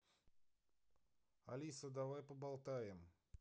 алиса давай поболтаем